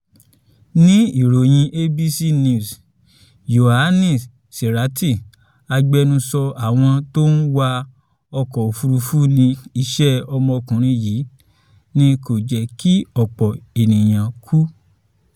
Ní ìròyìn ABC News, Yohannes Sirait, agbẹnusọ àwọn t’ọ́n wa ọkọ̀-òfúrufú, ní ìṣe ọmọkùnrin yìí ni kò jẹ́ kí ọ̀pọ̀ eèyàn kú.